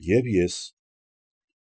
Ես ևս։